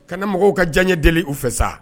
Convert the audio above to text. Kana mɔgɔw ka diya n ye deli u fɛ sa